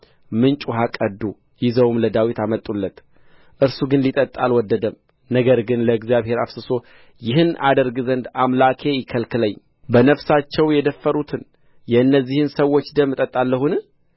ምንጭ ውሃ ቀዱ ይዘውም ለዳዊት አመጡለት እርሱ ግን ሊጠጣ አልወደደም ነገር ግን ለእግዚአብሔር አፍስሶ ይህን አደርግ ዘንድ አምላኬ ይከልክለኝ በነፍሳቸው የደፈሩትም እነዚህ ሰዎች ደም እጠጣለሁን